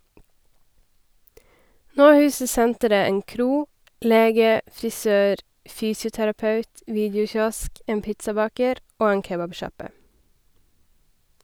Nå huser senteret en kro, lege, frisør, fysioterapeut, videokiosk, en pizzabaker og en kebabsjappe.